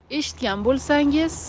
eshitgan bo'lsangiz